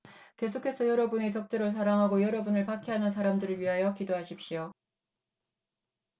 계속해서 여러분의 적들을 사랑하고 여러분을 박해하는 사람들을 위하여 기도하십시오